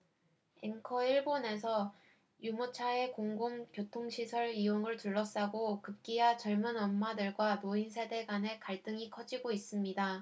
앵커 일본에서 유모차의 공공 교통시설 이용을 둘러싸고 급기야 젊은 엄마들과 노인 세대 간의 갈등이 커지고 있습니다